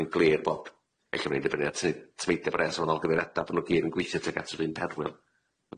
Fi'n glir bob, e'lla mai'n dibynnu at sut tameidia bres o wahanol gymeriade bo' n'w gyd yn gweithio tuag at yr un perwyl.